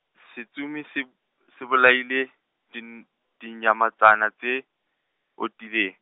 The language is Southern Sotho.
setsomi se b-, se bolaile, di n-, di nyamatsana tse, otileng.